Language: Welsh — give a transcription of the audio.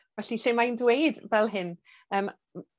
Felly lle mae 'i'n dweud fel hyn yym m-